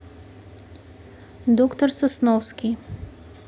доктор сосновский